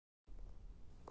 go'yo yakka yolg'iz